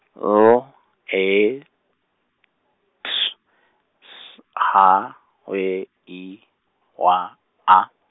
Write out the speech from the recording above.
L E T S A Y E W A.